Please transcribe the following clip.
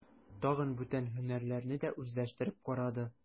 Тагын бүтән һөнәрләрне дә үзләштереп карады.